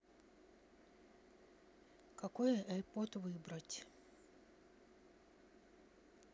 какой ipad выбрать